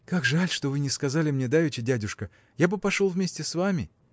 – Как жаль, что вы не сказали мне давеча, дядюшка я бы пошел вместе с вами.